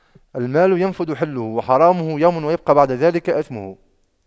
المال ينفد حله وحرامه يوماً ويبقى بعد ذلك إثمه